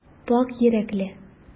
Пакь йөрәкле.